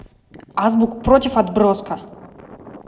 азбук против отброска